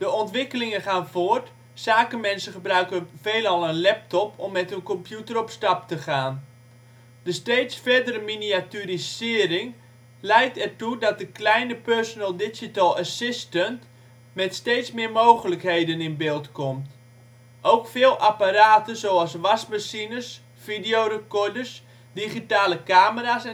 ontwikkelingen gaan voort, zakenmensen gebruiken veelal een laptop om met hun computer op stap te gaan. De steeds verdere miniaturisering leidt er toe dat de kleine Personal Digital Assistant (PDA) met steeds meer mogelijkheden in beeld komt. Ook veel apparaten zoals wasmachines, videorecorders, digitale camera 's